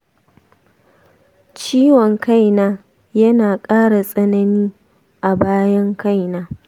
ciwon kaina yana ƙara tsanani a bayan kaina.